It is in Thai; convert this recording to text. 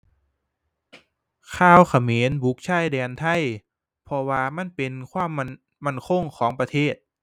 ข่าวเขมรบุกชายแดนไทย เพราะว่ามันเป็นความมั่น มั่นคงของประเทศ